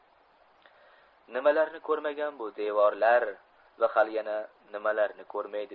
nimalarni ko'rmagan bu devorlar va hali yana nimalami ko'rmaydi